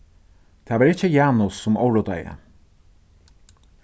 tað var ikki janus sum óruddaði